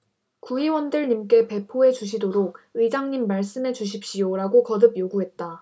구의원님들께 배포해 주시도록 의장님 말씀해 주십시오라고 거듭 요구했다